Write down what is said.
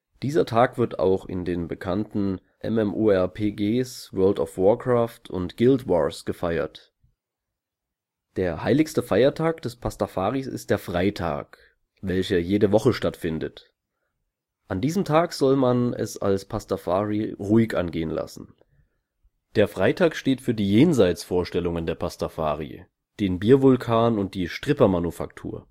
Dieser Tag wird auch in den bekannten MMORPGs World of Warcraft und Guild Wars gefeiert. Der heiligste Feiertag der Pastafaris ist der Freitag, welcher jede Woche stattfindet. An diesem Tag soll man es als Pastafari ruhig angehen lassen. Der Freitag steht für die Jenseitsvorstellungen der Pastafari – den Biervulkan und die Strippermanufaktur